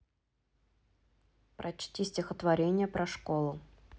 прочти стихотворение про школу